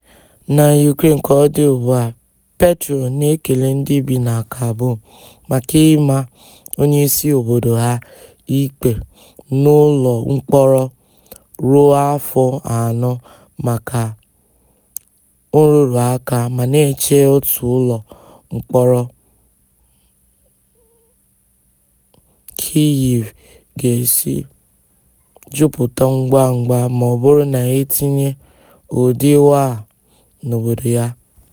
Na Ukraine, kaọdị ugbua, Petro na-ekele ndị bi na Kabul maka ịma onyeisi obodo ha ikpe n'ụlọ mkpọrọ ruo afọ anọ maka nrụrụaka ma na-eche otú ụlọ mkpọrọ Kyiv ga-esi jupụta ngwangwa maọbụrụ na etinye ụdị iwu a n'obodo ya.